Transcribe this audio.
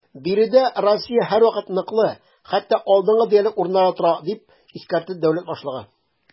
Биредә Россия һәрвакыт ныклы, хәтта алдынгы диярлек урыннарда тора, - дип искәртте дәүләт башлыгы.